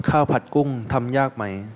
ข้าวผัดกุ้งทำยากไหม